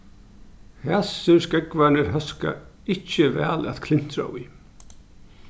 hasir skógvarnir hóska ikki væl at klintra í